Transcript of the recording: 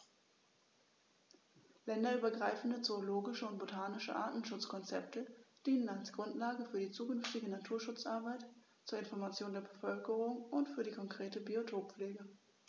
Länderübergreifende zoologische und botanische Artenschutzkonzepte dienen als Grundlage für die zukünftige Naturschutzarbeit, zur Information der Bevölkerung und für die konkrete Biotoppflege.